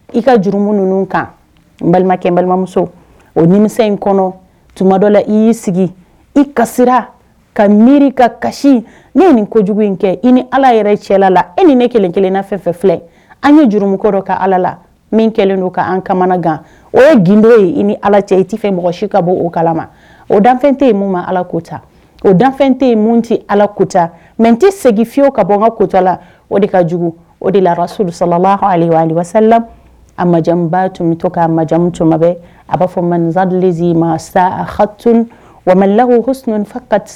Balima i y'i sigi i mi anmana o gdo ye i ni ala i tɛ mɔgɔ ka kala o danfɛn tɛ yen mun ma ala kota ofɛn tɛ mun tɛ ala kota mɛ n tɛ segin fiyewu ka bɔ n ka kota la o de ka jugu o de lara surusalasala a majaba tun bɛ to ka majamu cbɛ a b'a fɔ mazalid ma sa hat wa las